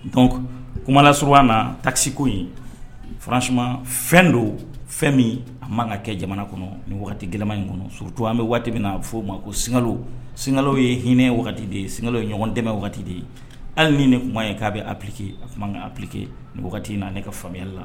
Don kumaumana sur na takisi ko in fransi fɛn don fɛn min a man ka kɛ jamana kɔnɔ ni waati gɛlɛnman in kɔnɔ so cogo an bɛ waati bɛna'o ma ko skalo sinkalo ye hinɛinɛ o de ye sinka ye ɲɔgɔn dɛmɛmɛ waati wagati de ye hali ni de kuma ye k'a bɛ a pki kuma apki ni wagati na ne ka faamuyaya la